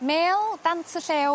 Mêl dant y llew...